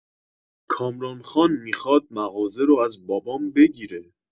کامران‌خان می‌خواد مغازه رو از بابام بگیره.